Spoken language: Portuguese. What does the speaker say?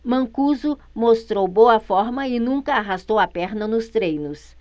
mancuso mostrou boa forma e nunca arrastou a perna nos treinos